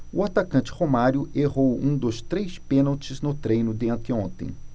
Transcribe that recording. o atacante romário errou um dos três pênaltis no treino de anteontem